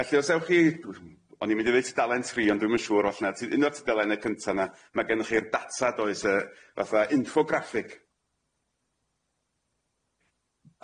Felly os ewch chi o'n i'n mynd i ddeud tudalen tri ond dwi'm yn shiŵr ella 'na ti- un o'r tudalenne cynta 'na ma' gennoch chi'r data does yy fatha ingfograffig.